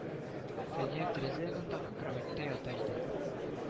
Фәнияр тәрәзә янындагы кроватьта ята иде